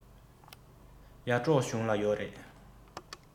ཡར འབྲོག གཞུང ལ ཡོག རེད